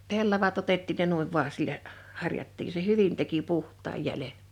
pellavat otettiin ne noin vain sillä harjattiin se hyvin teki puhtaan jäljen